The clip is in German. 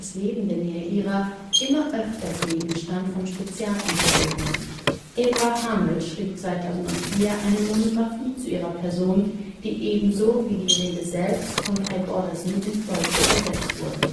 Leben der Neaira immer öfter Gegenstand von Spezialuntersuchungen. Debra Hamel schrieb 2004 eine Monografie zu ihrer Person, die ebenso wie die Rede selbst von Kai Brodersen ins Deutsche übersetzt wurde